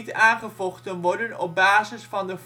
aangevochten worden op basis van de